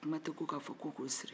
kuma tɛ ko k'a fɔ ko k'o siri